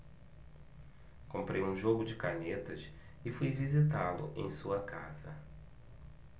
comprei um jogo de canetas e fui visitá-lo em sua casa